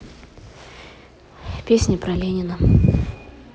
песни про ленина